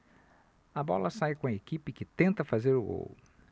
a bola sai com a equipe que tenta fazer o gol